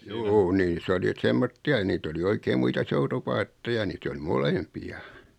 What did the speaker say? juu niissä oli että semmoisia ja niitä oli oikein muita soutupaatteja niitä oli molempia